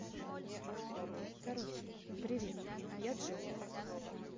короче привет я джой